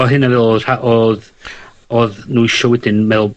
o hyn yn feddwl odd rha- odd odd nw isio wedyn me'wl...